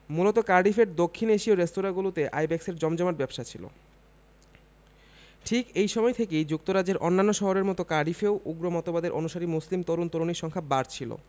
মূলত কার্ডিফের দক্ষিণ এশীয় রেস্তোরাঁগুলোতে আইব্যাকসের জমজমাট ব্যবসা ছিল ঠিক এই সময় থেকেই যুক্তরাজ্যের অন্যান্য শহরের মতো কার্ডিফেও উগ্র মতবাদের অনুসারী মুসলিম তরুণ তরুণীর সংখ্যা বাড়ছিল